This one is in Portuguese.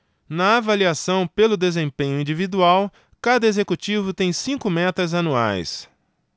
na avaliação pelo desempenho individual cada executivo tem cinco metas anuais